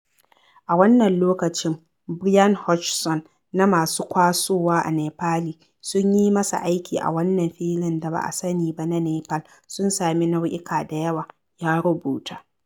A wannan lokacin Brian Hodgson na masu kwasowa a Nepali sun yi masa aiki a wannan filin da ba a sani ba na Nepal sun sami nau'ika da yawa, ya rubuta.